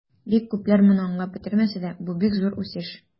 Бик күпләр моны аңлап бетермәсә дә, бу бик зур үсеш.